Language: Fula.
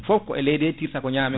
foof ko e leydi tirta ko e ñame